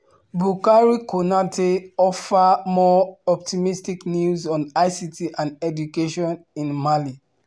Boukary Konaté offers more optimistic news on ICT and education in Mali.